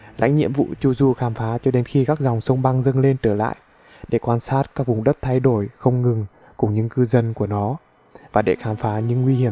lãnh nhiệm vụ chu du khám phá cho đến khi các sông băng dâng lên trở lại để quan sát các vùng đất đang thay đổi không ngừng cùng những cư dân của nó